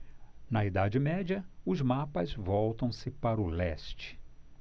na idade média os mapas voltam-se para o leste